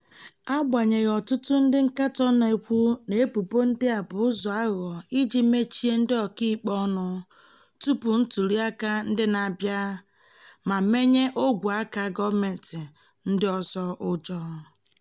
Agbanyeghị, ọtụtụ ndị nkatọ na-ekwu na ebubo ndị a bụ ụzọ aghụghọ iji mechie ndị ọka ikpe ọnụ tupu ntụliaka ndị na-abịa ma menye ogwe aka gọọmentị ndị ọzọ ụjọ.